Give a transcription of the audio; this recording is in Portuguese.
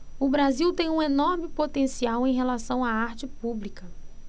o brasil tem um enorme potencial em relação à arte pública